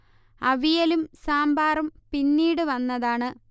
അവിയലും സാമ്പാറും പിന്നീട് വന്നതാണ്